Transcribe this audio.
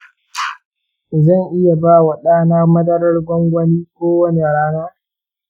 zan iya ba wa ɗa na madarar gwangwani ko wani rana?